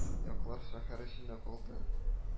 Яклар шәһәр эчендә калды